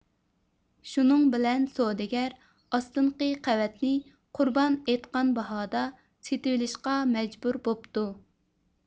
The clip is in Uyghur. شۇنىڭ بىلەن سودىگەر ئاستىنقى قەۋەتنى قۇربان ئېيتقان باھادا سېتىۋېلىشقا مەجبۇر بوپتۇ